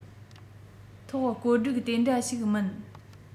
ཐོག བཀོད སྒྲིག དེ འདྲ ཞིག མིན